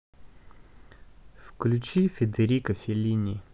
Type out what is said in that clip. включи федерико феллини